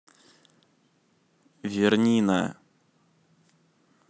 верни на